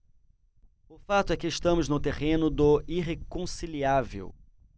o fato é que estamos no terreno do irreconciliável